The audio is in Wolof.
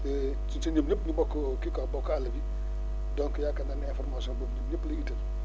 ci ci ñun ñëpp ñu bokk kii quoi bokk àll bi donc yaakaar naa ne information boobu ñun ñëpp la itteel